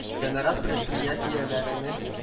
– сәнәгать предприятиеләренең